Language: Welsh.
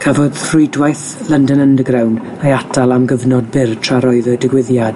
Cafodd rhwydwaith London Underground ei atal am gyfnod byr tra'r oedd y digwyddiad